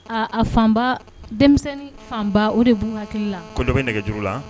Aa a fanba denmisɛnnin fanba o de b hakili la ko dɔ bɛ nɛgɛgejuru la